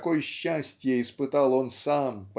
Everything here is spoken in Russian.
какое счастье испытал он сам